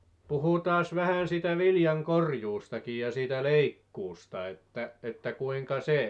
puhutaanpas vähän siitä viljan korjuustakin ja siitä leikkuusta että että kuinka se